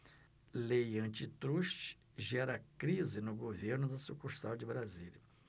lei antitruste gera crise no governo da sucursal de brasília